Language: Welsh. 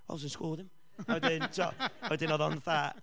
I was in school with him, a wedyn tibo, wedyn odd o'n fatha, so